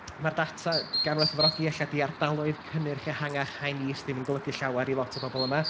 ma'r data, gan werthfawrogi ella, 'di ardaloedd cynnyrch, ehangach, haen is, ddim yn golygu llawer i lot o bobl yma.